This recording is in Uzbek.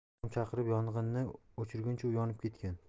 yordam chaqirib yong'inni o'chirguncha u yonib ketgan